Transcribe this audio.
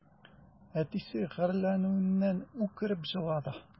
Әтисе гарьләнүеннән үкереп елады.